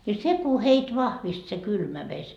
ja se kun heitä vahvisti se kylmä vesi